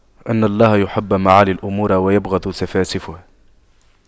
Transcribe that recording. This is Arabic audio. إن الله يحب معالي الأمور ويبغض سفاسفها